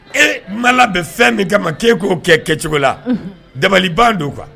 E man labɛn fɛn min kama k'e k'o kɛ kɛcogo la dabaliban do quoi